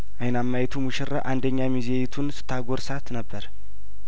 አይናማዪቱ ሙሽራ አንደኛ ሚዜዪቱን ስታጐርሳት ነበር